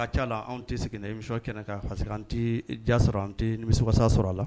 La an tɛ seginna i misio kɛnɛ ka an tɛ jaa sɔrɔ an tɛmikasa sɔrɔ a la